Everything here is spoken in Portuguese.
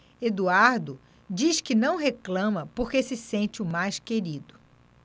eduardo diz que não reclama porque se sente o mais querido